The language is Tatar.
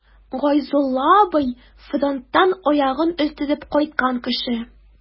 Гайзулла абый— фронттан аягын өздереп кайткан кеше.